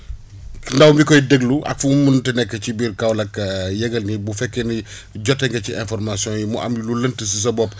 ndaw mi koy déglu ak fu mu munti nekk ci biir Kaolack yëgal ni bu fekkee ni jote nga ci information yi mu am lu lënt si sa bopp